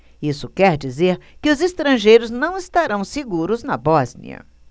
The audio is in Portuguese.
isso quer dizer que os estrangeiros não estarão seguros na bósnia